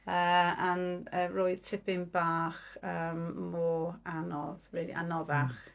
Yy and roedd tipyn bach... yym, mor anodd rili anoddach.